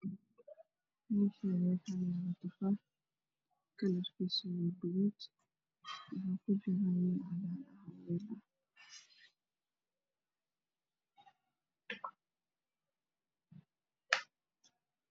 Meeshaani waxaa yaalo tufaax kalarkisa guduud wxaa ku jiro yaanyo cagaar